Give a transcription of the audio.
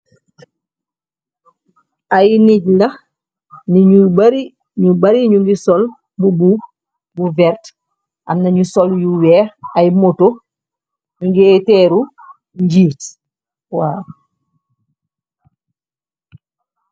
Ay nit la, nit ñu bari, ñu bari ñingi sol mbubu bu vert, amna nyu sol yu weex, ay moto ñi nge teeru njiit waw.